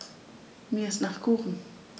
Mir ist nach Kuchen.